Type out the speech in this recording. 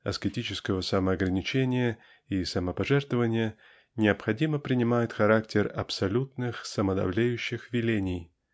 аскетического самоограничения и самопожертвования необходимо принимают характер абсолютных самодовлеющих велений